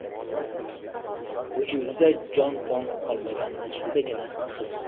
vujudida jon pon qolmaganini shundagina xis kildi